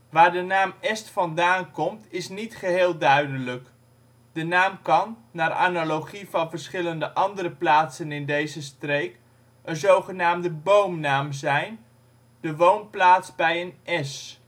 Waar de naam Est vandaan komt is niet geheel duidelijk. De naam kan, naar analogie van verschillende andere plaatsen in deze streek, een zogenaamde boomnaam zijn, de woonplaats bij een es